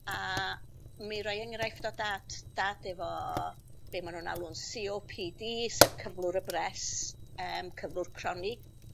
A mi roi enghraifft o dat dad efo be' ma' nw'n alw'n See Owe Pee Dee sef cyflwr y bres' yym cyflwr cronig.